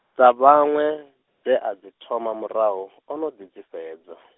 dza vhaṅwe, dze a dzi thoma murahu, ono ḓi dzi fhedza.